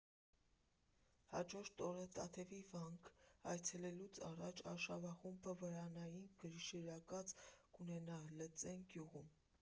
Հաջորդ օրը՝ Տաթևի վանք այցելելուց առաջ, արշավախումբը վրանային գիշերակաց կունենա Լծեն գյուղում։